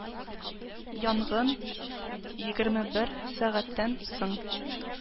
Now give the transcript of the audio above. Янгын егерме бер сәгатьтән соң